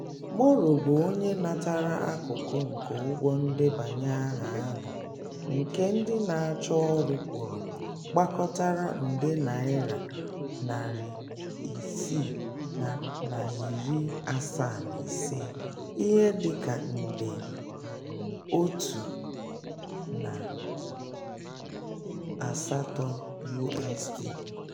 Moro bụ onye natara akụkụ nke ụgwọ ndebanye aha nke ndị na-achọ ọrụ kwụrụ gbakọtara nde naira 675 [ihe dị ka nde $1.8 USD].